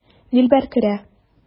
Дилбәр керә.